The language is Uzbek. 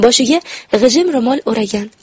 boshiga g'ijim ro'mol o'ragan